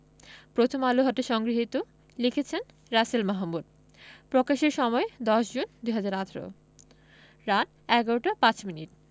প্রথমআলো হতে সংগৃহীত লিখেছেন রাসেল মাহ্ মুদ প্রকাশের সময় ১০ জুন ২০১৮ রাত ১১টা ৫ মিনিট